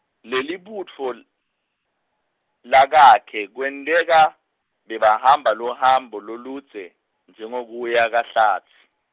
Lelibutfo l-, lakakhe, kwenteka, babehamba luhambo loludze, njengekuya kaHlatsi.